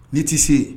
N tɛ se